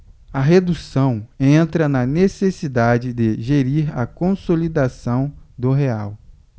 a redução entra na necessidade de gerir a consolidação do real